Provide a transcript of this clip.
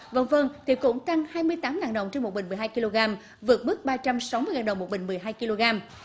vân vân thì cũng tăng hai mươi tám ngàn đồng trên một bình mười hai ki lô gam vượt mức ba trăm sáu mươi ngàn đồng một bình mười hai ki lô gam